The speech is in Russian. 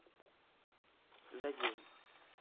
за день